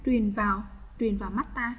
tiền vào tuyển vào misa